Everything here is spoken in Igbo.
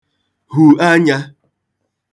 hù anyā